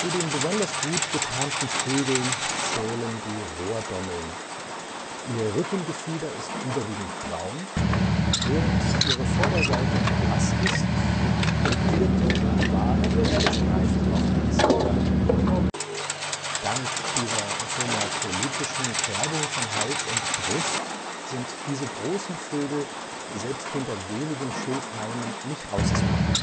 den besonders gut getarnten Vögeln zählen die Rohrdommeln. Ihr Rückengefieder ist überwiegend braun, während ihre Vorderseite blass ist und punktierte, waagrechte Streifen aufweist. Dank dieser somatolytischen Färbung von Hals und Brust sind diese großen Vögeln selbst hinter wenigen Schilfhalmen nicht auszumachen